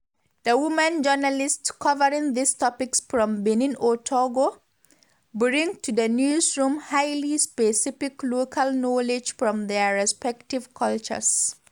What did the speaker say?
The women journalists covering these topics from Benin or Togo, bring to the newsroom highly specific local knowledge from their respective cultures.